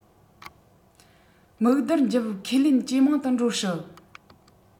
སྨུག རྡུལ འཇིབ ཁས ལེན ཇེ མང དུ འགྲོ སྲིད